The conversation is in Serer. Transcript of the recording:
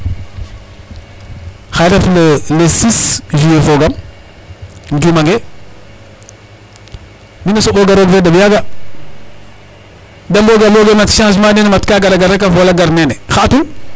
Xaye ref le 6 juin foogaam um jumangee nene soɓooga roog fe deɓ yaaga de mbooge changement nene mat ka gara gara rek a fool a gar nene .